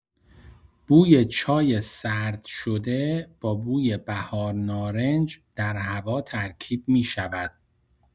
بوی چای سرد شده با بوی بهارنارنج در هوا ترکیب می‌شود.